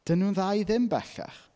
'Dyn nhw'n dda i ddim bellach.